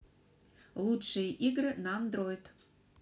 лучшие игры на андроид